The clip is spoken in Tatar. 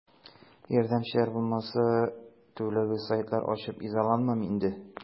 Ярдәмчеләр булмаса, түләүле сайтлар ачып изаланмам инде.